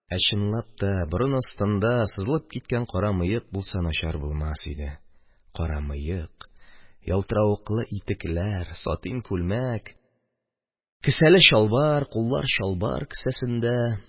Ә чынлап та, борын астында сызылып киткән кара мыек булса начар булмас иде, – кара мыек, ялтыравыклы итекләр, сатин күлмәк, кесәле чалбар, куллар чалбар кесәсендә.